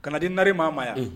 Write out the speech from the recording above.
Ka na di nare maa ma yan